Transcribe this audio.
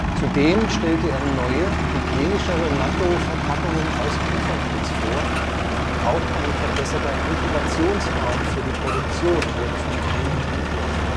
Zudem stellte er neue, hygienischere Nattō-Verpackungen aus Kiefernholz vor, auch ein verbesserter Inkubationsraum für die Produktion wurde von ihm entworfen